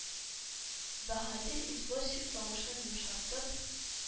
Баһадир извозчик, тавышын йомшартып,